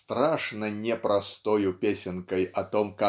страшно непростою песенкой о том